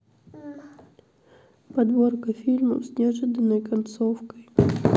подборка фильмов с неожиданной концовкой